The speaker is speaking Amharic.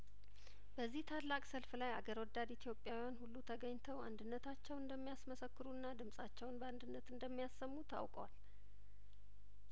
በዚህ ታላቅ ሰልፍ ላይአገር ወዳድ ኢትዮጵያውያን ሁሉ ተገኝተው አንድነታቸውን እንደሚያስመሰክሩና ድምጻቸውን በአንድነት እንደሚያሰሙ ታውቋል